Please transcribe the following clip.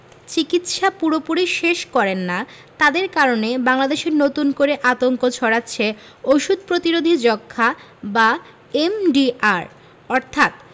চিকিৎসা পুরোপুরি শেষ করেন না তাদের কারণে বাংলাদেশে নতুন করে আতঙ্ক ছড়াচ্ছে ওষুধ প্রতিরোধী যক্ষ্মা বা এমডিআর অর্থাৎ